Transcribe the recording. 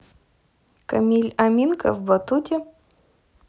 камиль аминка в батуте